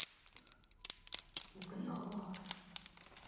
угнала